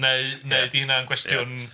Neu neu... ia. ...'di hynna'n gwestiwn... ia.